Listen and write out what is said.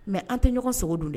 Mɛ an tɛ ɲɔgɔn sogo dun dɛ